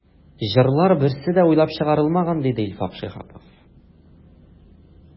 “җырлар берсе дә уйлап чыгарылмаган”, диде илфак шиһапов.